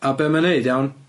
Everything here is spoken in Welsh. A be mae'n neud iawn?